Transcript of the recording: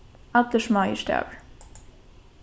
allir smáir stavir